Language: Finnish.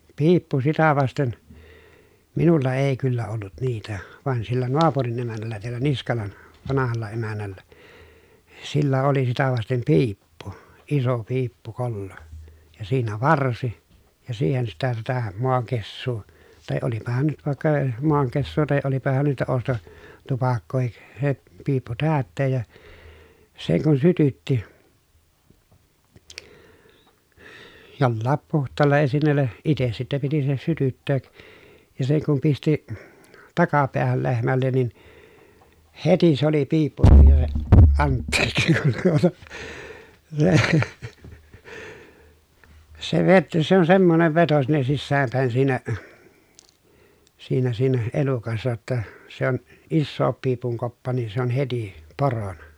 piippu sitä vasten minulla ei kyllä ollut niitä vaan sillä naapurin emännällä täällä Niskalan vanhalla emännällä sillä oli sitä vasten piippu iso piippukollo ja siinä varsi ja siihen sitä sitä maankessua tai olipahan nyt vaikka maankessua tai olipahan niitä - ostotupakkaakin se piippu täyttää ja sen kun sytytti jollakin puhtaalla esineellä itse sitten piti se sytyttää ja sen kun pisti takapäähän lehmälle niin heti se oli piippu - anteeksi kun tuota se se v se on semmoinen veto sinne sisään päin siinä siinä siinä elukassa jotta se on isokin piipun koppa niin se on heti porona